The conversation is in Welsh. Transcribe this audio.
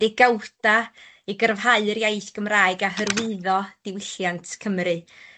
degawda i gyrfhau'r iaith Gymraeg a hyrwyddo diwylliant Cymru.